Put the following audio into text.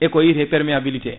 e ko wiyate perméabilité